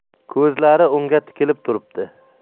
ko'zlari unga tikilib turibdi